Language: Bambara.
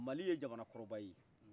mali ye jamana kɔrɔbaye